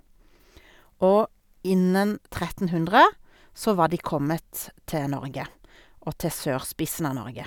Og innen tretten hundre så var de kommet til Norge og til sørspissen av Norge.